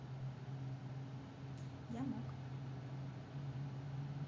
я мог